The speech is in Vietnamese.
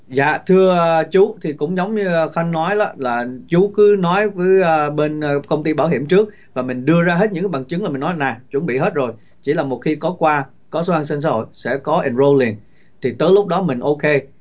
dạ thưa ơ chú thì cũng giống như khanh nói đó là chú cứ nói với a bên công ty bảo hiểm trước và mình đưa ra hết những bằng chứng là mình nói là chuẩn bị hết rồi chỉ là một khi có qua có số an sinh xã hội sẽ có èn rô liền thì tới lúc đó mình ô kê